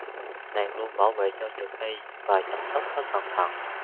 nàng luôn bảo vệ cho nhược hy và chăm sóc rất cẩn thận